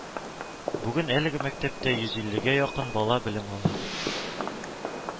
Бүген әлеге мәктәптә йөз иллегә якын бала белем ала